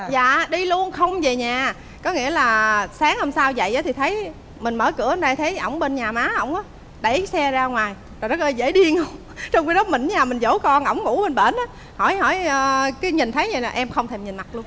dạ đi luôn không dề nhà có nghĩa là sáng hôm sau dậy á thì thấy mình mở cửa bên đây thấy ổng bên nhà má ổng á đẩy cái xe ra ngoài trời đất ơi dễ điên hông trong khi đó mình ở nhà mình dỗ con ổng ngủ bên bển á hỏi hỏi cái nhìn thấy dầy nè em không thèm nhìn mặt luôn